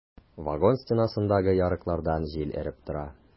Вагон стенасындагы ярыклардан җил өреп тора.